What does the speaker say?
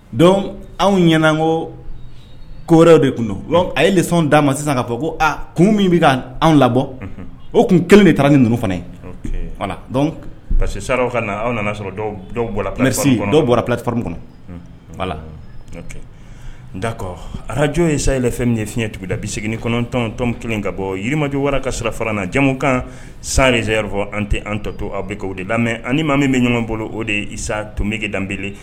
Dɔn anw ɲɛnaan ko ko dɔ de tun don a ye le d'a ma sisan ka fɔ ko aa kun min bɛ anw labɔ o kun kelen de taara ni ninnu fana ye parce que saraw ka na aw nana sɔrɔ dɔw dɔw bɔra dɔw bɔra pli faririnme kɔnɔ dakɔ arajo ye say fɛn ye fiɲɛɲɛ tuguda bi segin kɔnɔntɔntɔn kelen ka bɔ jiri yirimajɔ wara ka sira fara na jamukan sany fɔ an tɛ an tɔto aw bɛ kɛ de la mɛ ani maa min bɛ ɲɔgɔn bolo o desa to bɛge dab